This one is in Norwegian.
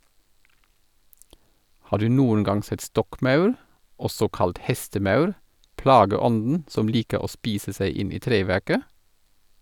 Har du noen gang sett stokkmaur, også kalt hestemaur, plageånden som liker å spise seg inn i treverket?